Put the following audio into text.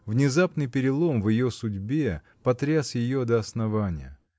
Внезапный перелом в ее судьбе потряс ее до основания